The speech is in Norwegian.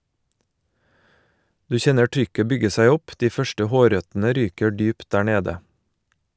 Du kjenner trykket bygge seg opp, de første hårrøttene ryker dypt der nede.